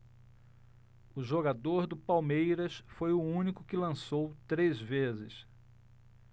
o jogador do palmeiras foi o único que lançou três vezes